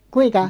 kuinka